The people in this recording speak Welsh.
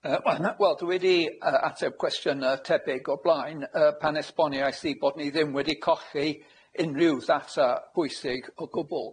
Yy wel- wel dwi 'di yy ateb cwestiyne tebyg o'r blaen yy pan esboniais i bod ni ddim wedi colli unryw ddata pwysig o gwbwl.